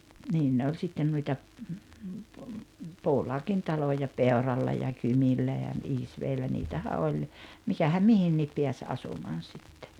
niin ne oli sitten noita puulaakin taloja Peuralla ja Kymillä ja Iisvedellä niitähän oli mikähän mihinkin pääsi asumaan sitten